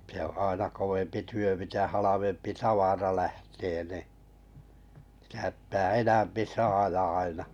se on aina kovempi työ mitä halvempi tavara lähtee niin sitä pitää enempi saada aina